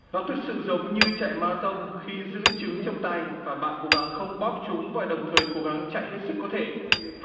nó thực sự giống như chạy ma ra tông khi giữ trứng trong tay và bạn cố gắng không bóp chúng và đồng thời cố gắng chạy hết sức có thể